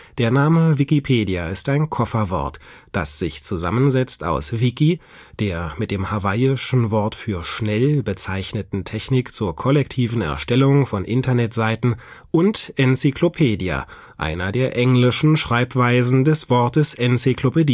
Der Name Wikipedia ist ein Kofferwort, das sich zusammensetzt aus „ Wiki “, der mit dem hawaiischen Wort für „ schnell “bezeichneten Technik zur kollektiven Erstellung von Internetseiten, und „ Encyclopedia “, einer der englischen Schreibweisen des Wortes Enzyklopädie